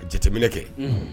Ka jateminɛn kɛ, unhun.